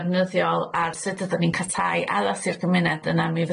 defnyddiol ar sud ydan ni'n ca'l tai addas i'r gymuned yna mi